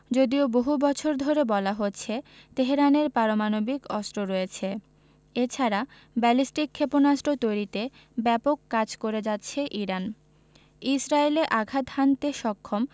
যদিও বহু বছর ধরে বলা হচ্ছে তেহরানের পারমাণবিক অস্ত্র রয়েছে এ ছাড়া ব্যালিস্টিক ক্ষেপণাস্ত্র তৈরিতে ব্যাপক কাজ করে যাচ্ছে ইরান ইসরায়েলে আঘাত হানতে সক্ষম